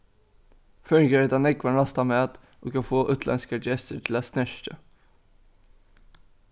føroyingar eta nógvan ræstan mat ið kann fáa útlendskar gestir til at snerkja